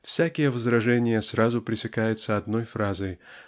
Всякие возражения сразу пресекаются одной фразой